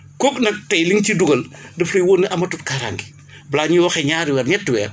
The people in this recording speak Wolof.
kooku nag tey li ñu ciy dugal dafay wóor ne amatut kaaraange balaa ñuy wax ne ñaari weer ñetti weer